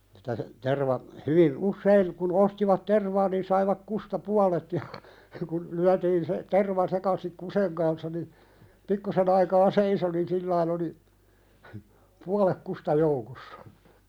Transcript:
sitä se terva hyvin usein kun ostivat tervaa niin saivat kusta puolet ja kun lyötiin se terva sekaisin kusen kanssa niin pikkusen aikaa seisoi niin sillä tavalla oli puolet kusta joukossa